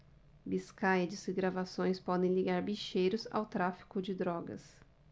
biscaia diz que gravações podem ligar bicheiros ao tráfico de drogas